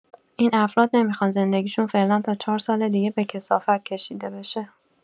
این افراد نمیخوان زندگیشون فعلا تا چهار سال دیگه به کثافت کشیده بشه.